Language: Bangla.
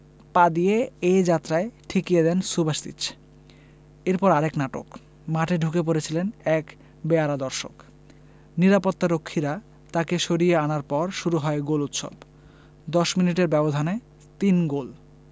পা দিয়ে এ যাত্রায় ঠেকিয়ে দেন সুবাসিচ এরপর আরেক নাটক মাঠে ঢুকে পড়েছিলেন এক বেয়াড়া দর্শক নিরাপত্তারক্ষীরা তাকে সরিয়ে আনার পর শুরু হয় গোল উৎসব ১০ মিনিটের ব্যবধানে তিন গোল